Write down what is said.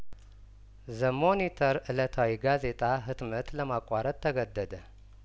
ዘ ሞኒተር እለታዊ ጋዜጣ ህትመት ለማቋረጥ ተገደደ